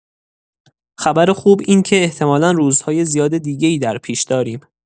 خبر خوب این که احتمالا روزهای زیاد دیگه‌ای در پیش داریم.